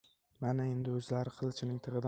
mana endi o'zlari qilichning tig'idan